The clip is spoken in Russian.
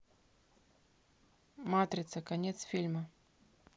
матрица конец фильма